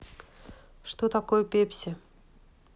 что такое пепси